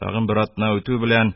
Тагы берәр атна үтү белән,